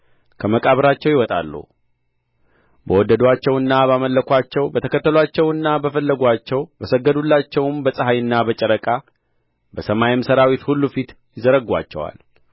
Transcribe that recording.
ከመቃብራቸው ያወጣሉ በወደዱአቸውና ባመለኩአቸው በተከተሉአቸውና በፈለጉአቸው በሰገዱላቸውም በፀሐይና በጨረቃ በሰማይም ሠራዊት ሁሉ ፊት ይዘረጉአቸዋል